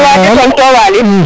a doya waar de Tonton Waly